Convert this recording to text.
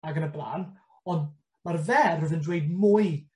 Ag yn y bla'n. Ond ma'r ferf yn dweud mwy